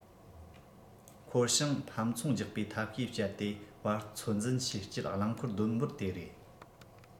འཁོར བྱང ཕམ ཚོང རྒྱག པའི ཐབས ཤེས སྤྱད དེ བར ཚོད འཛིན བྱེད སྤྱད རླངས འཁོར བསྡོམས འབོར དེ རེད